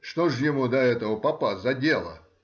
Что же ему до этого попа за дело?